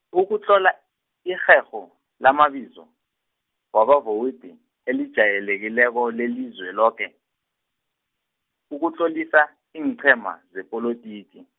ukutlola, irherho, lamabizo, wabavowudi, elijayelekileko lelizweloke, ukutlolisa, iinqhema, zepolotiki.